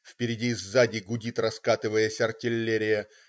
Впереди и сзади гудит, раскатываясь, артиллерия.